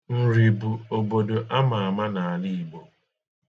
Nri bụ obodo ama ama n'ala Igbo.